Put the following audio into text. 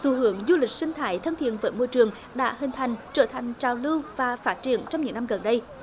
xu hướng du lịch sinh thái thân thiện với môi trường đã hình thành trở thành trào lưu và phát triển trong những năm gần đây